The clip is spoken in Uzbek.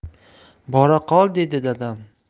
bora qol dedi dadam